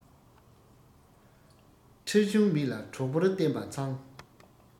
ཁྲེལ གཞུང མེད ལ གྲོགས པོར བསྟེན པ མཚང